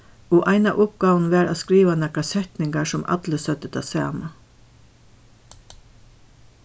og ein av uppgávunum var at skriva nakrar setningar sum allir søgdu tað sama